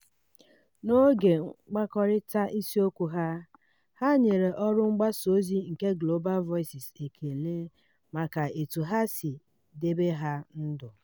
N'oge mkpakọrịta isiokwu ha, ha nyere ọrụ mgbasa ozi nke Global Voices ekele maka etu ha si debe ha ndụ.